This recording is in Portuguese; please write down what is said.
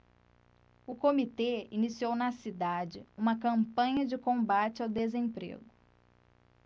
o comitê iniciou na cidade uma campanha de combate ao desemprego